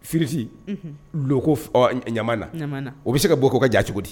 Fisi ko ɲa na o bɛ se ka bɔ' ka ja cogo di